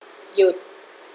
หยุด